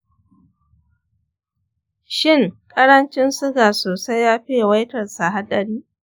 shin ƙarancin suga sosai yafi yawaitarsa haɗari?